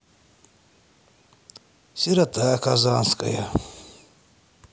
сирота казанская